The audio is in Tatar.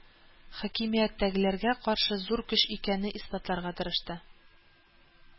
Хакимияттәгеләргә каршы зур көч икәнне исбатларга тырышты